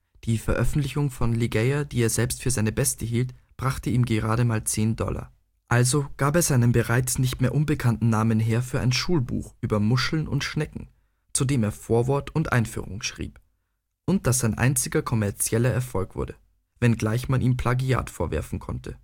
die Veröffentlichung von Ligeia z. B., die er selbst für seine beste hielt, brachte ihm gerade mal 10 Dollar. Also gab er seinen bereits nicht mehr unbekannten Namen her für ein Schulbuch über Muscheln und Schnecken, zu dem er Vorwort und Einführung schrieb und das sein einziger kommerzieller Erfolg wurde, wenngleich man ihm Plagiat vorwerfen konnte